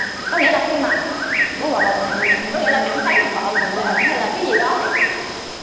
có nghĩa là khi mà bố gọi bà ngoại nha có nghĩa là cảm thấy mà vợ mình mệt hay là cái gì đó thì